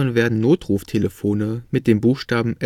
werden Notruftelefone mit den Buchstaben